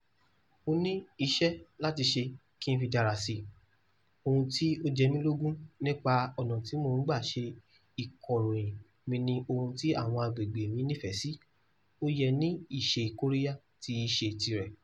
Mo ní iṣẹ́ láti ṣe kí n fi dára si, ohun tí ó jemí lógún nípa ọ̀nà tí mò ń gbà ṣe ìkọ̀ròyìn mi ni ohun tí àwọn agbègbè nífẹ̀ẹ́ sí, ó yẹ ní ìṣe-kóríyá tíí ṣe tìrẹ.